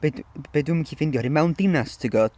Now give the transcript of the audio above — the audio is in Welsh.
Be dwi, be dwi'm yn gallu ffeindio ydy, mewn dinas timod..